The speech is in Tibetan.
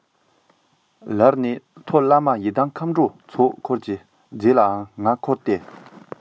ལར ནས མཐོ བླ མ ཡི དམ མཁའ འགྲོའི ཚོགས འཁོར གྱི རྫས ལའང ང འཁོར སྟེ